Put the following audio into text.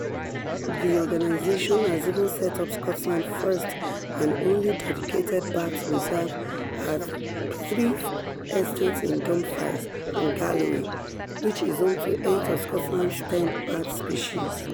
The organization has even set up Scotland's first and only dedicated bat reserve at Threave estate in Dumfries and Galloway, which is home to eight of Scotland's ten bat species.